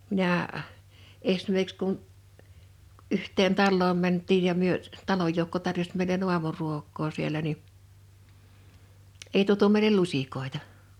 minä esimerkiksi kun yhteen taloon mentiin ja me talon joukko tarjosi meille aamuruokaa siellä niin ei tuotu meille lusikoita